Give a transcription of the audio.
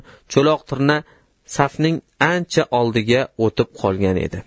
cho'loq turna safning ancha oldiga o'tib qolgan edi